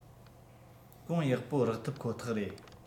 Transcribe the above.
གོང ཡག པོ རག ཐབས ཁོ ཐག རེད